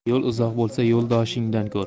yo'l uzoq bo'lsa yo'ldoshingdan ko'r